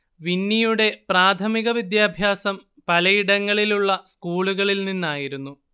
വിന്നിയുടെ പ്രാഥമിക വിദ്യാഭ്യാസം പലയിടങ്ങളിലുള്ള സ്കൂളുകളിൽ നിന്നായിരുന്നു